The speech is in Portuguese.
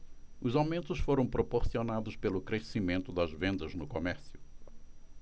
os aumentos foram proporcionados pelo crescimento das vendas no comércio